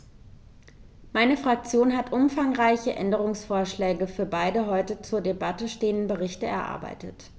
Meine Fraktion hat umfangreiche Änderungsvorschläge für beide heute zur Debatte stehenden Berichte erarbeitet.